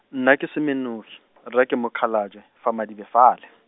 nna ke Semenogi , rre ke Mokgalajwe, fa Madibe fale.